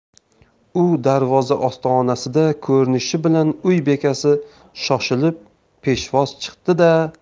u darvoza ostonasida ko'rinishi bilan uy bekasi shoshilib peshvoz chiqdi da